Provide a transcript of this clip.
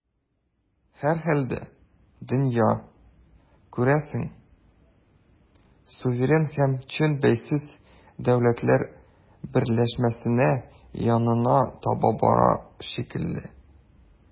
Һәрхәлдә, дөнья, күрәсең, суверен һәм чын бәйсез дәүләтләр берләшмәсенә янына таба бара шикелле.